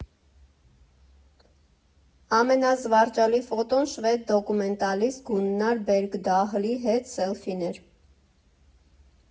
Ամենազվարճալի ֆոտոն շվեդ դոկումենտալիստ Գուննար Բերգդահլի հետ սելֆին էր։